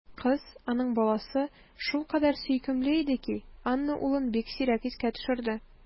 Кыз, аның баласы, шулкадәр сөйкемле иде ки, Анна улын бик сирәк искә төшерде.